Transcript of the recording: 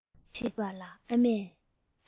ཅེས དྲིས པ ལ ཨ མས